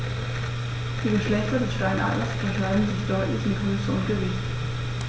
Die Geschlechter des Steinadlers unterscheiden sich deutlich in Größe und Gewicht.